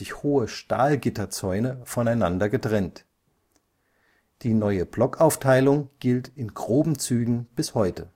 hohe Stahlgitterzäune voneinander getrennt. Die neue Blockaufteilung gilt in groben Zügen bis heute